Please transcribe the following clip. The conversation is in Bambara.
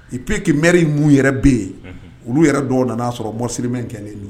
Ipe kkii m in minnu yɛrɛ bɛ yen olu yɛrɛ dɔw nana'a sɔrɔ msirimɛ kɛlen don